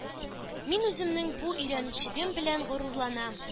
Мин үземнең бу өйрәнчегем белән горурланам.